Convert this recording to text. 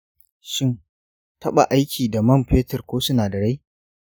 shin taba aiki da man fetur ko sinadarai?